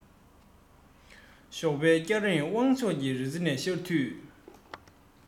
ཞོགས པའི སྐྱ རེངས དབང ཕྱོགས ཀྱི རི རྩེ ནས ཤར དུས